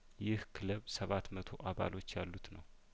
ይህ ክለብ ሰባት መቶ አባሎች ያሉት ነው